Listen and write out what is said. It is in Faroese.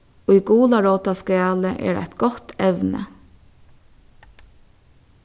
í gularótaskali er eitt gott evni